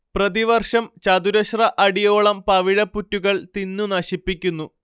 പ്രതിവർഷം ചതുരശ്ര അടിയോളം പവിഴപ്പുറ്റുകൾ തിന്നു നശിപ്പിക്കുന്നു